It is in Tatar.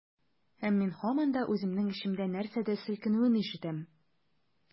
Һәм мин һаман да үземнең эчемдә нәрсәдер селкенүен ишетәм.